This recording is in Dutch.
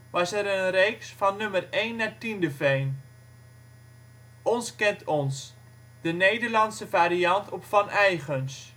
was er de reeks " Van Nummer Een naar Tiendeveen ". Ons kent Ons: de Nederlandse variant op Vaneigens